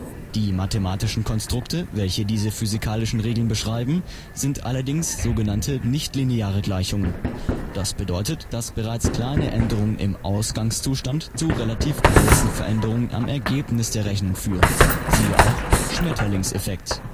Die mathematischen Konstrukte, welche diese physikalischen Regeln beschreiben, sind allerdings sogenannte nichtlineare Gleichungen. Das bedeutet, dass bereits kleine Änderungen im Ausgangszustand zu relativ großen Veränderungen am Ergebnis der Rechnung führen. (Siehe auch Schmetterlingseffekt